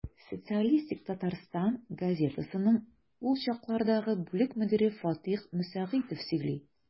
«социалистик татарстан» газетасының ул чаклардагы бүлек мөдире фатыйх мөсәгыйтов сөйли.